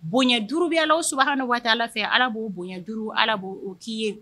Bonya duurubiya sura nɔgɔ waati ala fɛ ala b'o bonya duuru ala b'o k'i ye